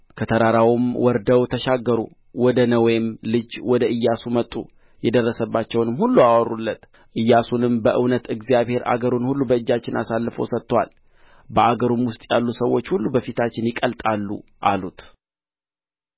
ከተራራውም ወርደው ተሻገሩ ወደ ነዌም ልጅ ወደ ኢያሱ መጡ የደረሰባቸውንም ሁሉ አወሩለት ኢያሱንም በእውነት እግዚአብሔር አገሩን ሁሉ በእጃችን አሳልፎ ሰጥቶአል በአገሩም ውስጥ ያሉ ሰዎች ሁሉ በፊታችን ይቀልጣሉ አሉት